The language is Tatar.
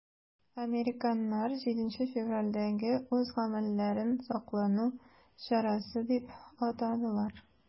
Американнар 7 февральдәге үз гамәлләрен саклану чарасы дип атадылар.